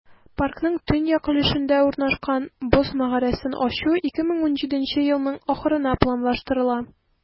Паркның төньяк өлешендә урнашкан "Боз мәгарәсен" ачу 2017 елның ахырына планлаштырыла.